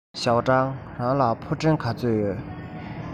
ཞའོ ཀྲང རང ལ ཕུ འདྲེན ག ཚོད ཡོད